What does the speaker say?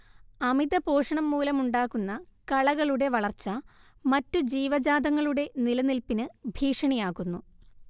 അമിതപോഷണം മൂലമുണ്ടാകുന്ന കളകളുടെ വളർച്ച മറ്റുജീവജാതങ്ങളുടെ നിലനില്പിന് ഭീഷണിയാകുന്നു